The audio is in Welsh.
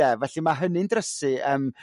'De? Felly ma' hynny'n drysu yrm...